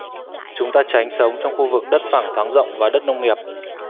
chúng tránh sống trong khu vực đất phẳng thoáng rộng và đất nông nghiệp